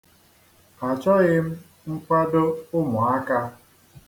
Achọghị m nkwado ụmụaka.